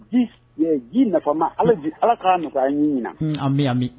Ji nafama ala ala k kaa nɔgɔya ɲini an bɛ yanmi